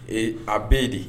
Ee a bɛɛ de